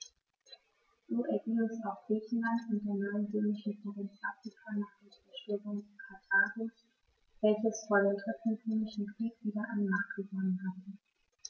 So erging es auch Griechenland und der neuen römischen Provinz Afrika nach der Zerstörung Karthagos, welches vor dem Dritten Punischen Krieg wieder an Macht gewonnen hatte.